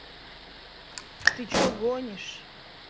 ты что гонишь